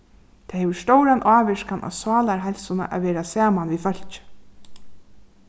tað hevur stóra ávirkan á sálarheilsuna at vera saman við fólki